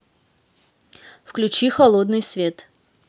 включи холодный свет